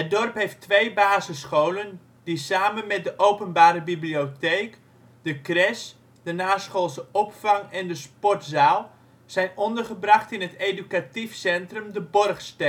dorp heeft twee basisscholen die samen met de openbare bibliotheek, de crèche, de naschoolse opvang en de sportzaal zijn ondergebracht in het educatief centrum de Borgstee. Ook heeft het